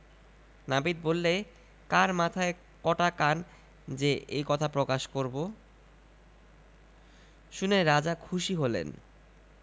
নাপিত বললে কার মাথায় কটা কান যে এ কথা প্রকাশ করব শুনে রাজা খুশি হলেন